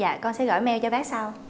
dạ con sẽ gởi meo cho bác sau